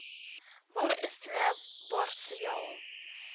– бар өстенә бар сыя ул